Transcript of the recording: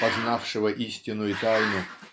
познавшего истину и тайну